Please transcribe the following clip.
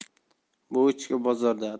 bu ichki bozorda